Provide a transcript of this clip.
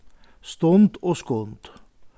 stund og skund